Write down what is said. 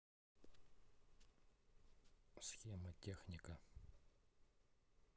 схема техника